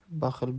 baxil bo'lma saxiy